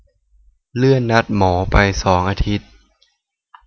เลื่อนนัดหมอไปสองอาทิตย์